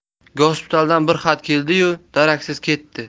gospitaldan bir xat keldi yu daraksiz ketdi